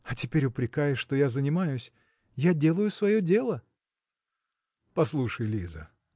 а теперь упрекаешь, что я занимаюсь. Я делаю свое дело! – Послушай, Лиза!